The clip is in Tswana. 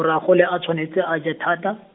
gore a gole o tshwanetse a je thata.